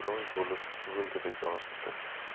o'ldi deb yozibdi